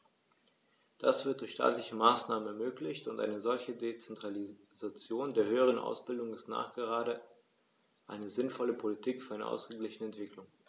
Das wird durch staatliche Maßnahmen ermöglicht, und eine solche Dezentralisation der höheren Ausbildung ist nachgerade eine sinnvolle Politik für eine ausgeglichene Entwicklung.